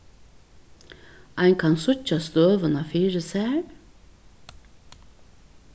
ein kann síggja støðuna fyri sær